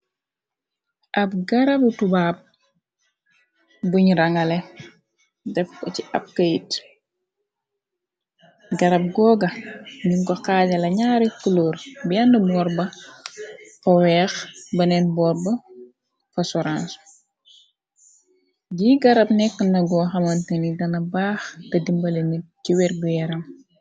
Ab garabu tubaab buñ rangale def ko ci ab kayit garab googa niñko xaaja la ñaari kulóor bena boor fa weex beneen bor ba fa sorang jiy garab neka na goo xamante ni dana baax te dimbale nit ci wer bu yaram.